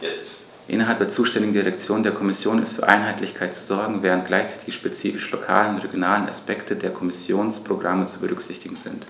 Innerhalb der zuständigen Direktion der Kommission ist für Einheitlichkeit zu sorgen, während gleichzeitig die spezifischen lokalen und regionalen Aspekte der Kommissionsprogramme zu berücksichtigen sind.